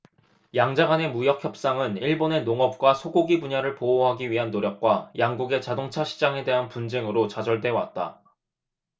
양자간의 무역협상은 일본의 농업과 소고기 분야를 보호하기 위한 노력과 양국의 자동차 시장에 대한 분쟁으로 좌절돼왔다